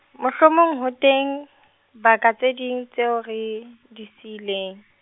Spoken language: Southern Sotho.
mohlomong ho teng, baka tse ding, tseo re di siileng.